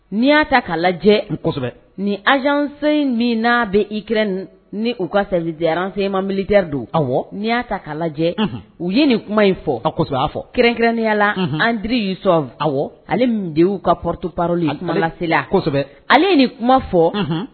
Ni y'a ta k'a lajɛ kosɛbɛ ni azsenyi min n'a bɛ ikr ni u ka seginyararansenma malid don aw nii y'a ta k'a lajɛ u ye nin kuma in fɔ kasɔ'a fɔ kɛrɛnkɛrɛnnenyala an teriiri y'i sɔn a ale de y'u ka ptopr kuma lasesla kosɛbɛ ale nin kuma fɔ